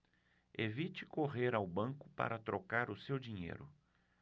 evite correr ao banco para trocar o seu dinheiro